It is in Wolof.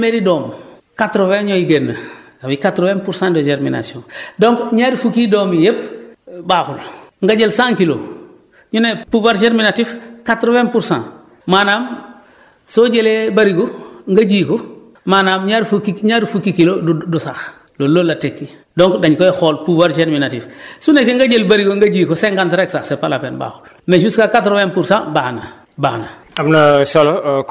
parce que su nekkee ci téeméeri doom 80 ñooy génn avec 80 pour cent de germination donc ñaar fukki doom yi yëpp baaxul nga jël 100 kolos ñu ne pouvoir germinatif 80 pour cent maanaam soo jëlee bërigo nga ji ko maanaam ñaar fukki ñaar fukki kilos du du sax loolu la tekki donc dañu koy xool pouvoir germinatif su nekkee nga jël bërigo nga ji ko 50 rek sax c' est pas la peine baaxul mais jusqu' à 80 pour cent baax na baax na